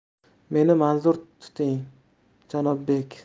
meni mazur tuting janob bek